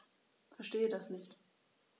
Verstehe das nicht.